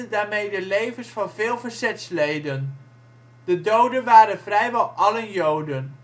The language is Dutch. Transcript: daarmee de levens van veel verzetsleden. De doden waren vrijwel allen Joden